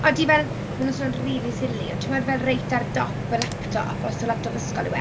Odi fel... ma' hwn yn swnio'n rili silly, ond timod fel reit ar dop y laptop, os taw laptop ysgol yw e?